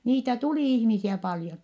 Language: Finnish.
niitä tuli ihmisiä paljon